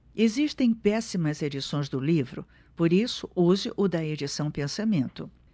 existem péssimas edições do livro por isso use o da edição pensamento